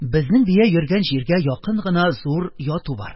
Безнең бия йөргән җиргә якын гына зур яту бар.